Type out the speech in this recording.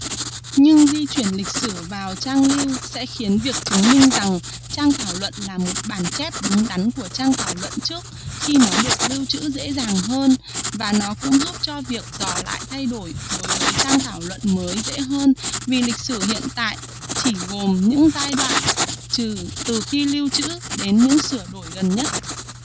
nhưng di chuyển lịch sử vào trang lưu sẽ khiến việc chứng minh rằng trang thảo luận là một bản chép đúng đắn của trang thảo luận trước khi nó được lưu trữ dễ dàng hơn và nó cũng giúp cho việc dò lại thay đổi đối với trang thảo luận mới dễ hơn vì lịch sử hiện tại chỉ gồm những giai đoạn từ từ khi lưu trữ đến những sửa đổi gần nhất